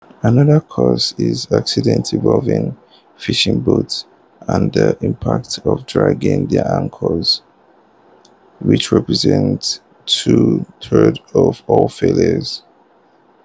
Another cause is accidents involving fishing boats and the impact of dragging their anchors, which represents two-thirds of all failures.